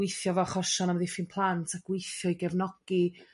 gweithio 'fo 'chosion amddiffyn plant a gweithio i gefnogi